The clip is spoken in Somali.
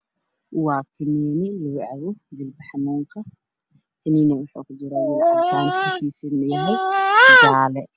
Waa saddex caadad oo isdul sarsaaran midabkooda yihiin haddaan furka waa jaalo